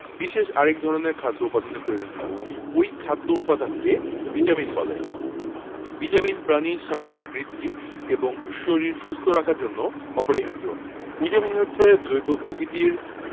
বিশেষ আরেক ধরনের খাদ্য উপাদানের প্রয়োজন হয় ঐ খাদ্য উপাদানকে ভিটামিন বলে ভিটামিন প্রাণীর স্বাভাবিক বৃদ্ধি এবং শরীর সুস্থ রাখার জন্য অপরিহার্য ভিটামিন হচ্ছে জৈব প্রকৃতির